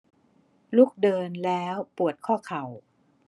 ลุกเดินแล้วปวดข้อเข่า